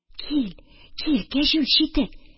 Кил, кил, кәҗүл читек